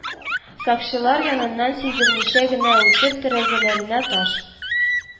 Сакчылар яныннан сиздермичә генә үтеп, тәрәзәләренә таш